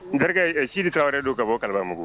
N sidi ta wɛrɛ don ka bɔ kala mun